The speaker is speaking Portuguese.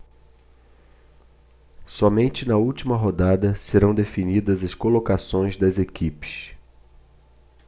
somente na última rodada serão definidas as colocações das equipes